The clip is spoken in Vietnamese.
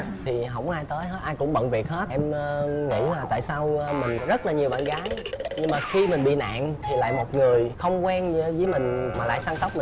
thì hổng có ai tới hết ai cũng bận việc hết em ơ nghĩ là tại sao mình có rất nhiều bạn gái nhưng mà khi mình bị nạn thì lại một người không quen dới mình mà lại săn sóc mình